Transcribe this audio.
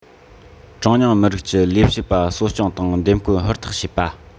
གྲངས ཉུང མི རིགས ཀྱི ལས བྱེད པ གསོ སྐྱོང དང འདེམས བསྐོ ཧུར ཐག བྱེད པ དང